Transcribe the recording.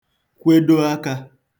kwedo akā